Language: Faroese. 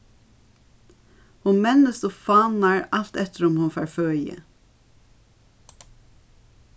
hon mennist og fánar alt eftir um hon fær føði